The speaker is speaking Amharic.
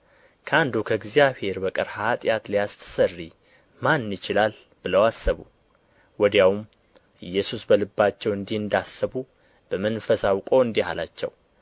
ከአንዱ ከእግዚአብሔር በቀር ኃጢአት ሊያስተሰርይ ማን ይችላል ብለው አሰቡ ወዲያውም ኢየሱስ በልባቸው እንዲህ እንዳሰቡ በመንፈስ አውቆ እንዲህ አላቸው